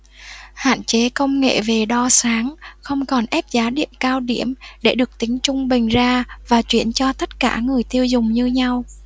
hạn chế công nghệ về đo sáng không còn ép giá điện cao điểm để được tính trung bình ra và chuyển cho tất cả người tiêu dùng như nhau